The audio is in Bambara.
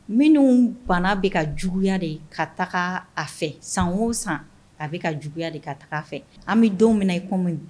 Minnu bana bɛ ka juguya de ka taga a fɛ san o san a bɛ ka juguya de ka taga a fɛ an bɛ don min na i komi bi